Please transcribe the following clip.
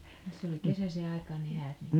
no se oli kesäiseen aikaan ne häät niinkö